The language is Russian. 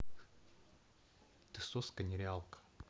ты соска нереалка